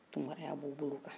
tunkaraya bɛ o bolo kan